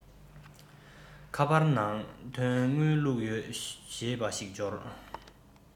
ཁ པར ནང དོན དངུལ བླུག ཡོད ཞེས པ ཞིག འབྱོར